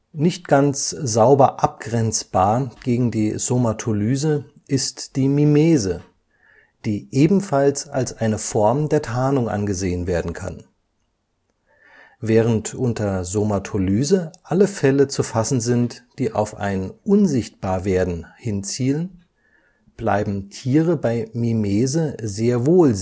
Nicht ganz sauber abgrenzbar gegen die Somatolyse ist die Mimese, die ebenfalls als eine Form der Tarnung angesehen werden kann. Während unter Somatolyse alle Fälle zu fassen sind, die auf ein Unsichtbar-Werden hinzielen, bleiben Tiere bei Mimese sehr wohl